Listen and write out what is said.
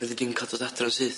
Fyddi di'n ca'l dod adra'n syth?